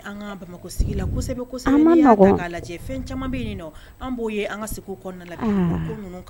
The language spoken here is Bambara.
Sɛbɛ lajɛ fɛn an b'o an ka segu kɔnɔna